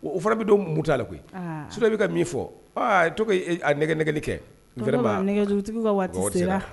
O fana bɛ dɔ mun u ta koyi! ahh, sinon i bɛka mun fɔ, aa tɔ k'a nɛgɛ nɛgɛli kɛ, aa, nɛgjurutigiw ka waati sela.